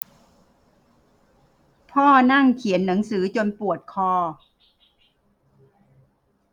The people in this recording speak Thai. พ่อนั่งเขียนหนังสือจนปวดคอ